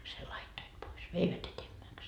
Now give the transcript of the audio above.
sen laittoivat pois veivät etemmäksi